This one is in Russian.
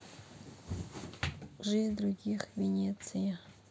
жизнь других венеция